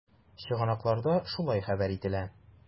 Чыганакларда шулай хәбәр ителә.